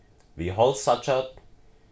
við hálsatjørn